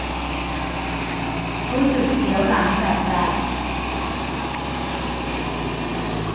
รู้สึกเสียวหลังแปลบแปลบ